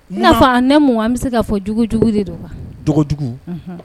Nafa ne mun an bɛ se k ka fɔ jugujugu de